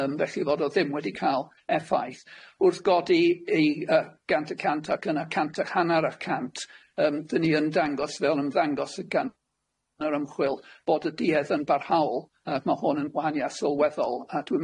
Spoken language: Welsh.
yym felly fod o ddim wedi ca'l effaith wrth godi i yy gant y cant ac yn y cant y hannar y cant yym dy ni yn dangos fel yn ddangos y gant yn yr ymchwil bod y duedd yn barhaol yy ma' hwn yn wahania sylweddol a dwi'n